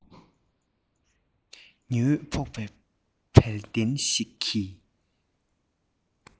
ཉི འོད ཕོག པའི བལ གདན ཞིག གི